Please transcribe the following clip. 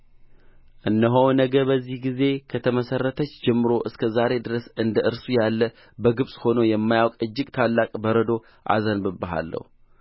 እነሆ ነገ በዚህ ጊዜ ከተመሰረተች ጀምሮ እስከ ዛሬ ድረስ እንደ እርሱ ያለ በግብፅ ሆኖ የማያውቅ እጅግ ታላቅ በረዶ አዘንብብሃለሁ